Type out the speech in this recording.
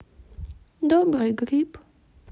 добрый гриб